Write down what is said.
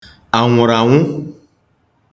ànwụ̀rànwụ